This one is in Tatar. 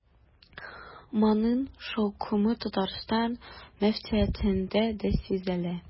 Моның шаукымы Татарстан мөфтиятендә дә сизелә.